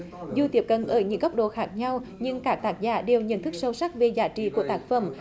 dù tiếp cận ở những cấp độ khác nhau nhưng cả tác giả đều nhận thức sâu sắc về giá trị của tác phẩm